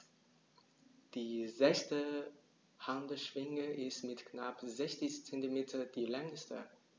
Die sechste Handschwinge ist mit knapp 60 cm die längste.